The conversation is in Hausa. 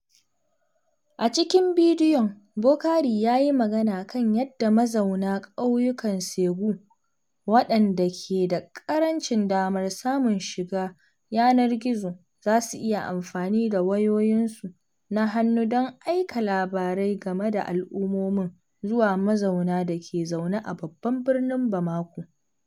A cikin wannan bidiyon, Boukary ya yi magana kan yadda mazauna ƙauyukan Ségou, waɗanda ke da ƙarancin damar samun shiga yanar gizo, za su iya amfani da wayoyin su na hannu don aika labarai game da al’ummomin zuwa mazauna da ke zaune a babban birnin Bamako.